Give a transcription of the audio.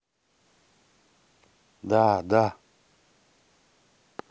да да